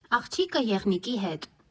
«Աղջիկը եղնիկի հետ»